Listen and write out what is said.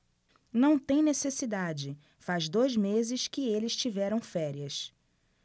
não tem necessidade faz dois meses que eles tiveram férias